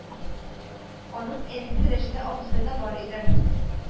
Аның әнисе Рәшидә абыстай да бар иде